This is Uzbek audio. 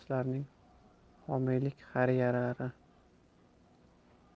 shaxslarning homiylik xayriyalari